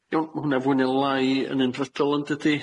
Iawn, ma' hwnne fwy ne' lai yn unfrydol, yn dydi?